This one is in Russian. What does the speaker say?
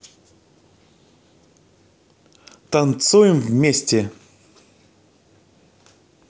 танцуем вместе